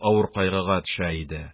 Авыр кайгыга төшә иде.